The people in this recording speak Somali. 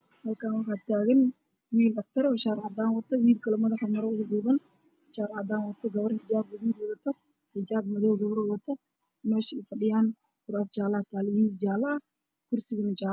Halkaan waxaa taagan wiil dhaqtar ah oo shaar cadaan ah wato, wiil kaloo madaxa kaduuban oo shaar cadaan wato, gabar xijaab gaduud ah wadato, gabar xijaab madow wadato, meesha ay fadhiyaan kuraas jaale taalo, miis jaale yaalo iyo kursi jaale ah.